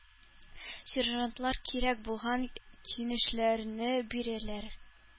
Сержантлар кирәк булган киңәшләрне бирәләр.